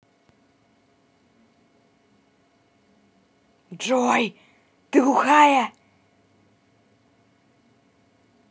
джой ты глухая